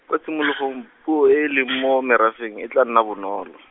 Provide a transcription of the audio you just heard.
kwa tshimologong, puo e e leng mo merafeng e tla nna bonolo.